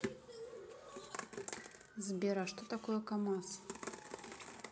сбер а что такое камаз